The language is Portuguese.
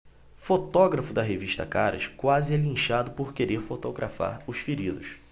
fotógrafo da revista caras quase é linchado por querer fotografar os feridos